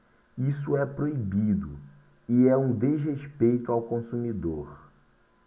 isso é proibido e é um desrespeito ao consumidor